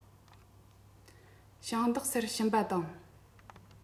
ཞིང བདག སར ཕྱིན པ དང